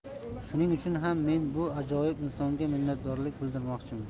shuning uchun ham men bu ajoyib insonga minnatdorlik bildirmoqchiman